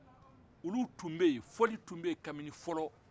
olu tun bɛ yen foli tun bɛ kabini fɔlɔ